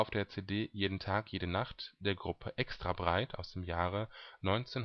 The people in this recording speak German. der CD „ Jeden Tag - Jede Nacht “der Gruppe Extrabreit aus dem Jahre 1996